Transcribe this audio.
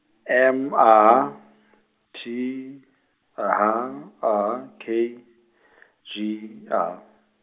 M A, T, A H A K, G A.